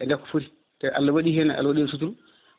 e ndaw ko footi te Allah waɗi hen suturu